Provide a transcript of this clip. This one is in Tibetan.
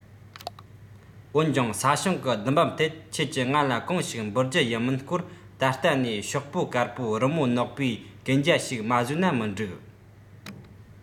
འོན ཀྱང ས ཞིང གི བསྡུ འབབ ཐད ཁྱེད ཀྱི ང ལ གང ཞིག འབུལ རྒྱུ ཡིན མིན སྐོར ད ལྟ ནས ཤོག པོ དཀར པོར རི མོ ནག པོའི གན རྒྱ ཞིག མ བཟོས ན མི འགྲིག